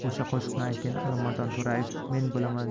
o'sha qo'shiqni aytgan alimardon to'rayev men bo'laman